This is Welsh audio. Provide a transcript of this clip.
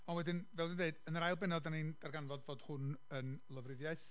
Ond wedyn, fel dwi'n deud, yn yr ail bennod dan ni'n darganfod fod hwn yn lofruddiaeth